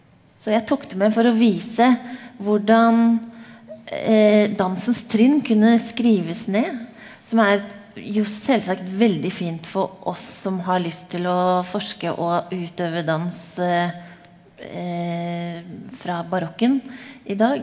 så jeg tok det med for å vise hvordan dansens trinn kunne skrives ned som er jo selvsagt veldig fint for oss som har lyst til å forske og utøve dans fra barokken i dag.